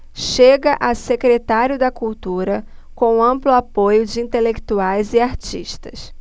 chega a secretário da cultura com amplo apoio de intelectuais e artistas